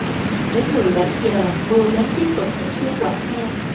đến mười bảy giờ mưa lớn tiếp tục trút xuống quảng nam